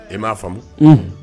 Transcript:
I m'a faamumu